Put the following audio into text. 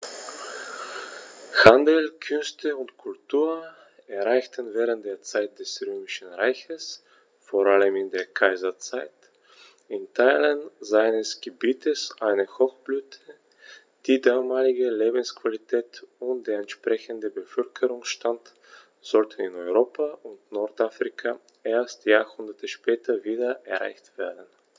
Handel, Künste und Kultur erreichten während der Zeit des Römischen Reiches, vor allem in der Kaiserzeit, in Teilen seines Gebietes eine Hochblüte, die damalige Lebensqualität und der entsprechende Bevölkerungsstand sollten in Europa und Nordafrika erst Jahrhunderte später wieder erreicht werden.